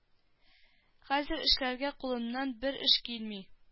Хәзер эшләргә кулымнан бер эш килми